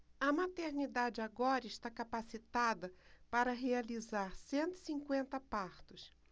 a maternidade agora está capacitada para realizar cento e cinquenta partos